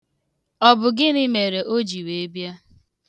Ọ bụ gịnị mere oji wee bịa?